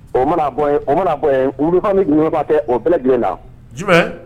O mana bɔ? o mana bɔ yen, o bɛɛ lajɛlen na. Jumɛn?